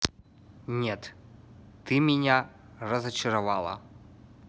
нет ты меня разочаровала